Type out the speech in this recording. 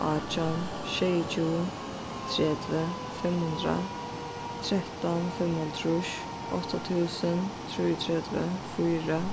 átjan sjeyogtjúgu tretivu fimm hundrað trettan fimmoghálvtrýss átta túsund trýogtretivu fýra